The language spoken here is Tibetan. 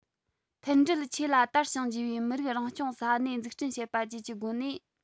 མཐུན སྒྲིལ ཆེ ལ དར ཞིང རྒྱས པའི མི རིགས རང སྐྱོང ས གནས འཛུགས སྐྲུན བྱེད པ བཅས ཀྱི སྒོ ནས